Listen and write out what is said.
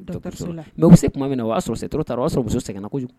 N'o bɛ se tuma min na, o y'a sɔrɔ c'est trop tard o b'a sɔrɔ muso sɛgɛnna kojugu.